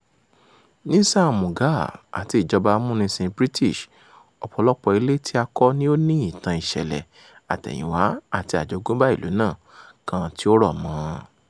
Ní sáàa Mughal àti ìjọba amúnisìn British, ọ̀pọ̀lọpọ̀ ilé tí a kọ́ ni ó ní ìtàn-ìṣẹ̀lẹ̀-àtẹ̀yìnwá àti àjogúnbá ìlú náà kan tí ó rọ̀ mọ́ ọn.